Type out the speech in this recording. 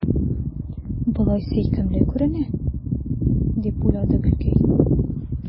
Болай сөйкемле күренә, – дип уйлады Гөлкәй.